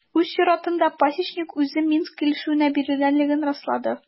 Үз чиратында Пасечник үзе Минск килешүенә бирелгәнлеген раслады.